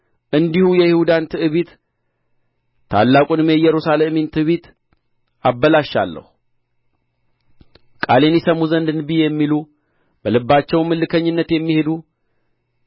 እንዲሁ የይሁዳን ትዕቢት ታላቁንም የኢየሩሳሌምን ትዕቢት አበላሻለሁ ቃሌን ይሰሙ ዘንድ እንቢ የሚሉ በልባቸውም እልከኝነት የሚሄዱ